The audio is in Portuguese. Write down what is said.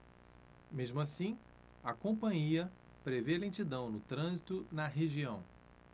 mesmo assim a companhia prevê lentidão no trânsito na região